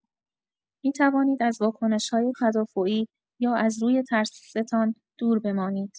می‌توانید از واکنش‌های تدافعی یا از روی ترستان دور بمانید.